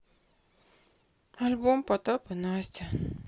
альбом потап и настя